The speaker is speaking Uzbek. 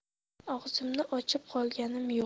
og'zimni ochib qolganim yo'q